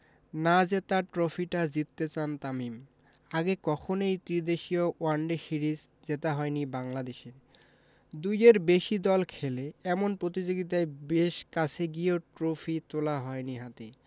না জেতা ট্রফিটা জিততে চান তামিম আগে কখনোই ত্রিদেশীয় ওয়ানডে সিরিজ জেতা হয়নি বাংলাদেশের দুইয়ের বেশি দল খেলে এমন প্রতিযোগিতায় বেশ কাছে গিয়েও ট্রফি তোলা হয়নি হাতে